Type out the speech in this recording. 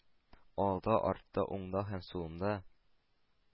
Алда, артта, уңда һәм сулымда